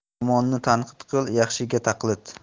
yomonni tanqid qil yaxshiga taqlid